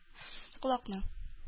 Колакны